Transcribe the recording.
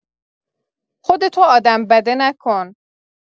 خودتو آدم بده نکن